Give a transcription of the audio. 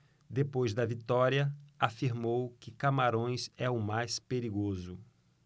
depois da vitória afirmou que camarões é o mais perigoso